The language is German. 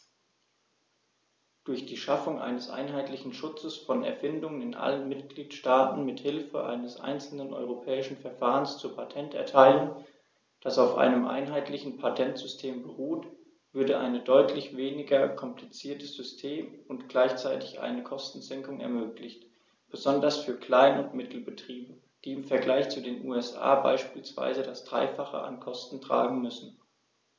Durch die Schaffung eines einheitlichen Schutzes von Erfindungen in allen Mitgliedstaaten mit Hilfe eines einzelnen europäischen Verfahrens zur Patenterteilung, das auf einem einheitlichen Patentsystem beruht, würde ein deutlich weniger kompliziertes System und gleichzeitig eine Kostensenkung ermöglicht, besonders für Klein- und Mittelbetriebe, die im Vergleich zu den USA beispielsweise das dreifache an Kosten tragen müssen.